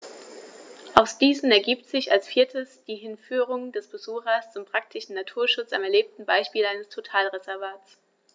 Aus diesen ergibt sich als viertes die Hinführung des Besuchers zum praktischen Naturschutz am erlebten Beispiel eines Totalreservats.